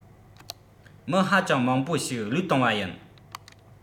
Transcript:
མི ཧ ཅང མང པོ ཞིག བློས བཏང བ ཡིན